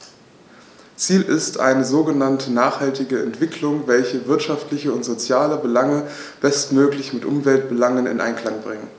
Ziel ist eine sogenannte nachhaltige Entwicklung, welche wirtschaftliche und soziale Belange bestmöglich mit Umweltbelangen in Einklang bringt.